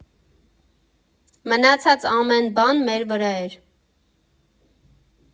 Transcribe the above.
Մնացած ամեն բան մեր վրա էր։